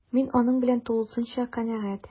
Мин аның белән тулысынча канәгать: